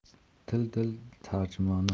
til dil tarjimoni